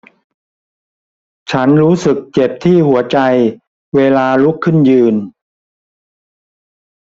ฉันรู้สึกเจ็บที่หัวใจเวลาลุกขึ้นยืน